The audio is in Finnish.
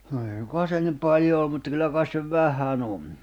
no ei suinkaan se niin paljon ole mutta kyllä kai se vähän on